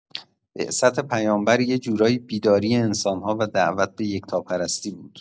بعثت پیامبر یه جورایی بیداری انسان‌ها و دعوت به یکتاپرستی بود.